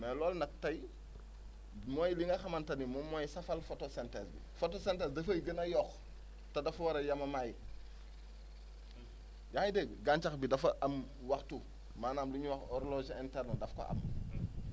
mais loolu nag tey mooy li nga xamante ni moom mooy safal photosynthèse bi photosynthèse dafay gën a yokku te dafa war a yemamaay yaa ngi dégg gàncax gi dafa am waxtu maanaam lu ñuy wax horloger interne daf ko am